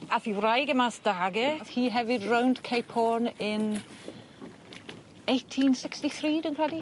Ath 'i wraig e mas 'dag e. Ath hi hefyd rownd Capehorn in eighteen sixty three dwi'n credu.